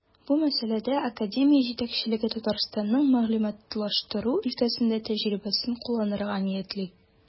Бу мәсьәләдә академия җитәкчелеге Татарстанның мәгълүматлаштыру өлкәсендә тәҗрибәсен кулланырга ниятли.